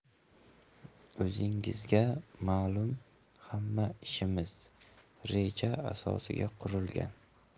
o'zingizga malum hamma ishimiz reja asosiga qurilgan